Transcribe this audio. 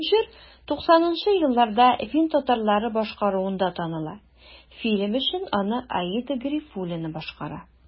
Бу җыр 90 нчы елларда фин татарлары башкаруында таныла, фильм өчен аны Аида Гарифуллина башкара.